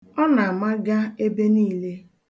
O na-amaga ebe niile.